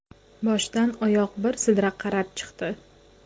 boshdan oyoq bir sidra qarab chiqdi